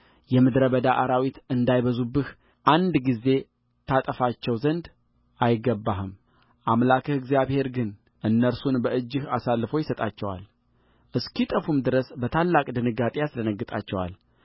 የምድረ በዳ አራዊት እንዳይበዙብህ አንድ ጊዜ ታጠፋቸው ዘንድ አይገባህምአምላክህ እግዚአብሔር ግን እነርሱን በእጅህ አሳልፎ ይሰጣቸዋል እስኪጠፉም ድረስ በታላቅ ድንጋጤ ያስደነግጣቸዋል